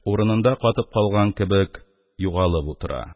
Урынында катып калган кебек, югалып утыра.